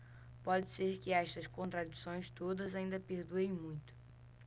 pode ser que estas contradições todas ainda perdurem muito